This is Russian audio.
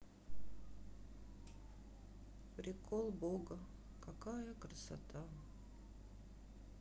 прикол бога какая красота